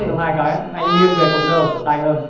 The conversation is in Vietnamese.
trong hai cái anh nghiêng về cột nơ ở cổ tay hơn